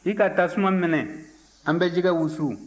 i ka tasuma mɛnɛ an bɛ jɛgɛ wusu